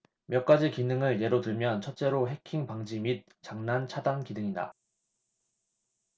몇 가지 기능을 예로 들면 첫째로 해킹 방지 및 장난 차단 기능이다